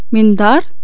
منظار